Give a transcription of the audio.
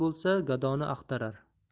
bo'lsa gadoni axtarar